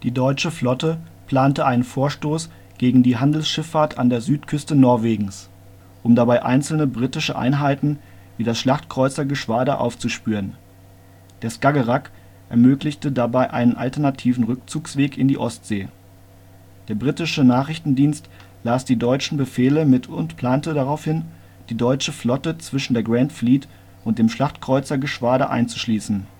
deutsche Flotte plante einen Vorstoß gegen die Handelsschifffahrt an der Südküste Norwegens, um dabei einzelne britische Einheiten wie das Schlachtkreuzergeschwader aufzuspüren. Der Skagerrak ermöglichte dabei einen alternativen Rückzugsweg in die Ostsee. Der britische Nachrichtendienst las die deutschen Befehle mit und plante daraufhin, die deutsche Flotte zwischen der Grand Fleet und dem Schlachtkreuzergeschwader einzuschließen